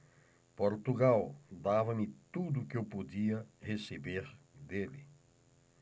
portugal dava-me tudo o que eu podia receber dele